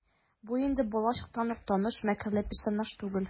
Бу инде балачактан ук таныш мәкерле персонаж түгел.